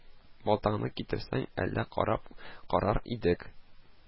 Балтаңны китерсәң, әллә карап карар идек